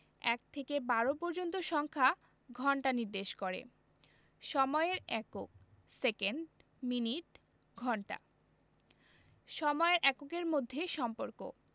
১ থেকে ১২ পর্যন্ত সংখ্যা ঘন্টা নির্দেশ করে সময়ের এককঃ সেকেন্ড মিনিট ঘন্টা সময়ের এককের মধ্যে সম্পর্কঃ